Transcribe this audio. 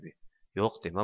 yo'q dema